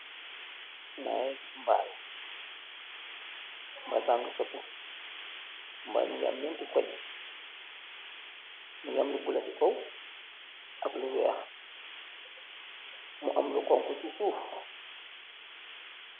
Mange gis mbaal, mbal bang sopu, mbal minge amnenti koj, mungam lo bula ci kaw ak lu weex mu am lu xonxu ci suuf